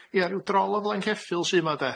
Ia, ryw drol o flaen ceffyl sy 'ma 'de?